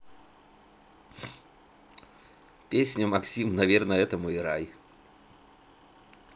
песня максим наверно это мой рай